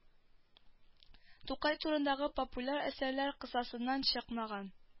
Тукай турындагы популяр әсәрләр кысасыннан чыкмаган